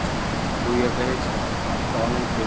bu yerda hech kim hatto olimpiya